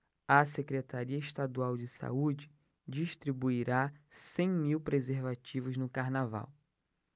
a secretaria estadual de saúde distribuirá cem mil preservativos no carnaval